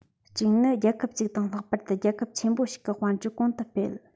གཅིག ནི རྒྱལ ཁབ ཅིག དང ལྷག པར དུ རྒྱལ ཁབ ཆེན པོ ཞིག གི དཔལ འབྱོར གོང དུ སྤེལ